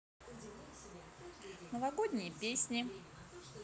новогодние песни